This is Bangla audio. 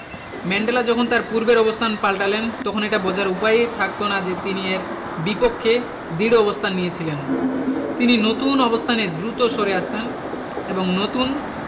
ম্যান্ডেলা যখন তাঁর পূর্বের অবস্থান পাল্টালেন তখন এটা বোঝার উপায়ই থাকত না যে তিনি এর বিপক্ষে দৃঢ় অবস্থান নিয়েছিলেন তিনি নতুন অবস্থানে দ্রুত সরে আসতেন এবং নতুন